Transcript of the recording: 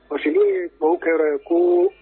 Parce que tɔw kɛra ye ko